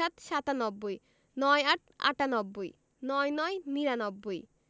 ৯৭ – সাতানব্বই ৯৮ - আটানব্বই ৯৯ - নিরানব্বই